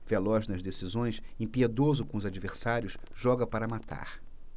veloz nas decisões impiedoso com os adversários joga para matar